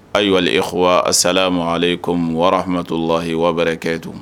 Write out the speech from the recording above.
Ayiwah a sala ma ale komi warato lahi waa wɛrɛ kɛ tun